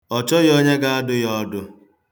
Onye ka ị si dụrụ gị ọdụ?